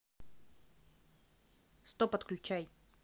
стоп отключай